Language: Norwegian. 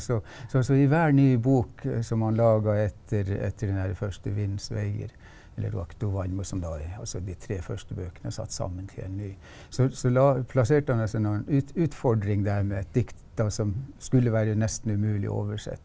så så så i hver nye bok som han laga etter etter den her første Vindens veier eller Ruoktu vaimmus som da er altså de tre første bøkene satt sammen til en ny så så plasserte han altså nå en ut utfordring der med et dikt da som skulle være nesten umulig å oversette.